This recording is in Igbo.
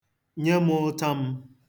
Nye m ụta m.